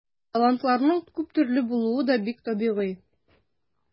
Талантларның күп төрле булуы да бик табигый.